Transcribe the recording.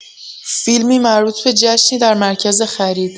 فیلمی مربوط به جشنی در مرکز خرید